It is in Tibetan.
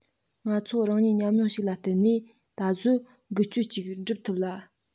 ང ཚོ རང ཉིད ཉམས མྱོང ཞིག ལ བརྟེན ནས གཟོད འགུལ སྐྱོད ཅིག འགྲུབ ཐུབ ལ